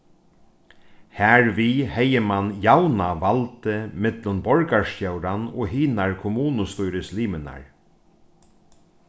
harvið hevði mann javnað valdið millum borgarstjóran og hinar kommunustýrislimirnar